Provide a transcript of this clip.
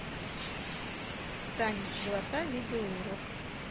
танец живота видеоурок